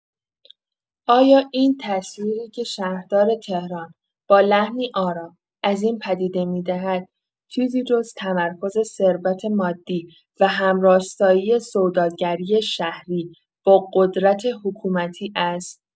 آیا این تصویری که شهردار تهران با لحنی آرام از این پدیده می‌دهد چیزی جز تمرکز ثروت مادی و همراستایی سوداگری شهری با قدرت حکومتی است؟